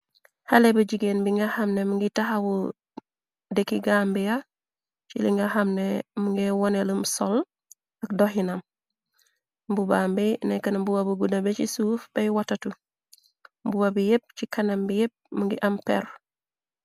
xale ba jigéen bi nga xamne m ngi taxawu de ki gambea ci li nga xamne mu nge wonelu sol ak doxinam bu baambe nekkna buwabu gunabe ci suuf bay watatu mbuwa bi yépp ci kanam bi yépp mngi am per